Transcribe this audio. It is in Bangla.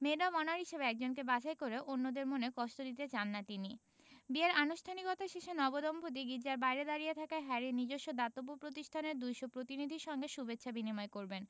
মেড অব অনার হিসেবে একজনকে বাছাই করে অন্যদের মনে কষ্ট দিতে চান না তিনি বিয়ের আনুষ্ঠানিকতা শেষে নবদম্পতি গির্জার বাইরে দাঁড়িয়ে থাকা হ্যারির নিজস্ব দাতব্য প্রতিষ্ঠানের ২০০ প্রতিনিধির সঙ্গে শুভেচ্ছা বিনিময় করবেন